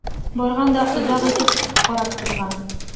Барган да озак итеп карап торган.